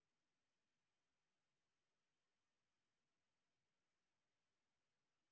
включи песню я свободен ария